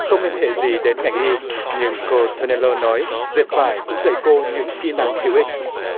không liên hệ gì đến ngành y nhưng cô the lè nôn nói dệt vải cũng dạy cô những kỹ năng hữu ích